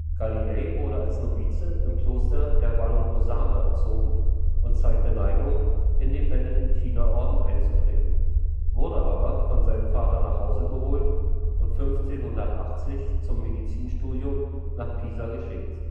Galilei wurde als Novize im Kloster der Vallombrosaner erzogen und zeigte Neigung, in den Benediktinerorden einzutreten, wurde aber von seinem Vater nach Hause geholt und 1580 zum Medizin-Studium nach Pisa geschickt